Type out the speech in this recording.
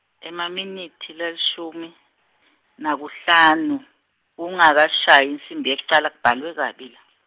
emaminitsi lalishumi, nakuhlanu, kungakashayi insimbi yekucala, kubhalwe kabi la.